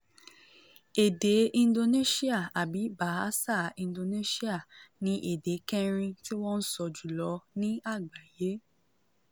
Èdè Indonesia – àbí Bahasa Indonesia – ni èdè kẹrin tí wọ́n ń sọ jùlọ ní àgbáyé.